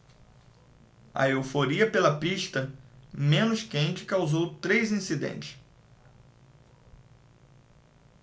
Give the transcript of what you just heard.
a euforia pela pista menos quente causou três incidentes